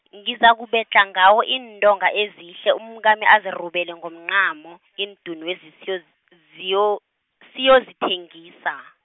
ngizakubedlha ngawo iintonga ezihle umkami azirubele ngomncamo , iindunwezi siyoz- ziyo- siyozithengisa.